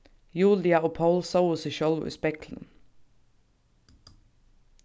julia og pól sóu seg sjálv í speglinum